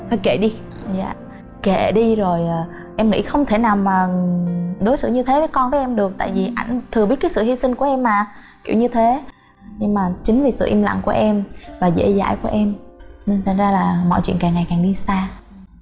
thôi kệ đi dạ kệ đi rồi em nghĩ không thể nào mà đối xử như thế với con với em được tại vì ảnh thừa biết cái sự hy sinh của em mà kiểu như thế nhưng mà chính vì sự im lặng của em và dễ dãi của em nên thành ra là mọi chuyện càng ngày càng đi xa